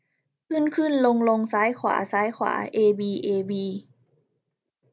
ขึ้นขึ้นลงลงซ้ายขวาซ้ายขวาเอบีเอบี